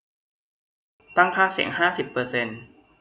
ตั้งค่าเสียงห้าสิบเปอร์เซนต์